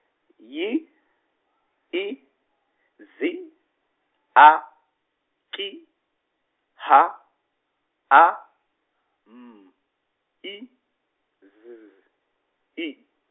Y I Z A K H A M I Z I.